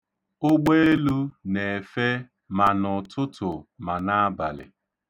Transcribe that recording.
Ụgbeelu na-efe ma n'ụtụtụ ma n'abalị.